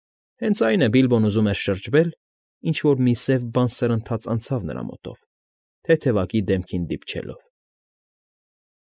Հենց այն է Բիլբոն ուզում էր շրջվել, ինչ֊որ մի սև բան սրընթաց անցավ նրա մոտով՝ թեթևակի դեմքին դիպչելով։